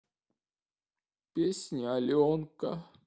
песня аленка